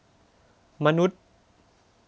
มนุษย์